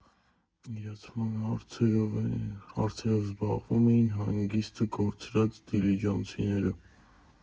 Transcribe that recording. Իրացման հարցերով զբաղվում էին հանգիստը կորցրած դիլիջանցիները։